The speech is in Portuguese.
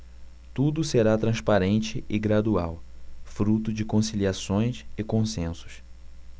tudo será transparente e gradual fruto de conciliações e consensos